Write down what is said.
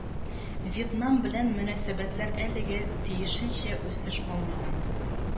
Вьетнам белән мөнәсәбәтләр әлегә тиешенчә үсеш алмаган